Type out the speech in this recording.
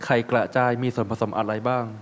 ไข่กระจายมีส่วนผสมอะไรบ้าง